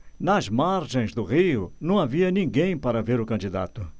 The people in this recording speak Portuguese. nas margens do rio não havia ninguém para ver o candidato